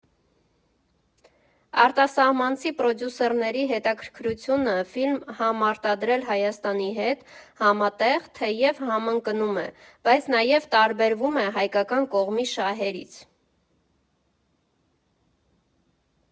Արտասահմանցի պրոդյուսերների հետաքրքրությունը ֆիլմ համարտադրել Հայաստանի հետ համատեղ թեև համընկնում է, բայց նաև տարբերվում է հայկական կողմի շահերից։